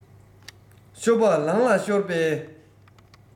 ཤོ སྦག ལང ལ ཤོར པའི